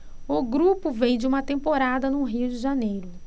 o grupo vem de uma temporada no rio de janeiro